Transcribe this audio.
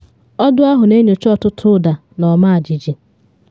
Ọdụ ahụ na enyocha ọtụtụ ụda na ọma jiji.